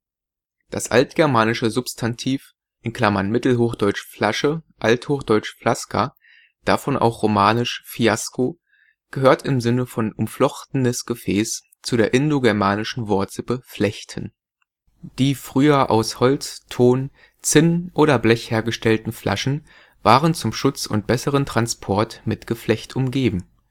Das altgermanische Substantiv (mittelhochdeutsch vlasche, althochdeutsch flaska, davon auch romanisch fiasko) gehört im Sinne von „ umflochtenes Gefäß “zu der indogermanischen Wortsippe „ flechten “. Die früher aus Holz, Ton, Zinn oder Blech hergestellten Flaschen waren zum Schutz und besseren Transport mit Geflecht umgeben